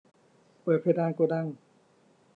เปิดเพดานโกดัง